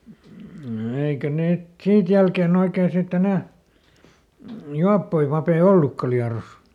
eikä niitä siitä jälkeen oikein sitten enää juoppoja pappeja ollutkaan Liedossa